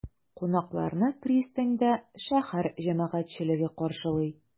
Кунакларны пристаньда шәһәр җәмәгатьчелеге каршылый.